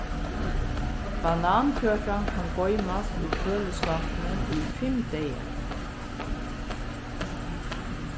banankøkan kann goymast í køliskápinum í fimm dagar